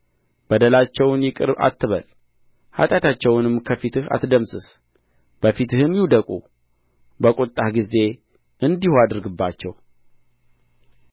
በደላቸውን ይቅር አትበል ኃጢአታቸውንም ከፊትህ አትደምስስ በፊትህም ይውደቁ በቍጣህ ጊዜ እንዲሁ አድርግባቸው